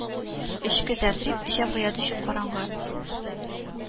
Эчке тәртип җәмгыять өчен караңгы